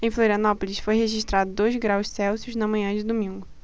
em florianópolis foi registrado dois graus celsius na manhã de domingo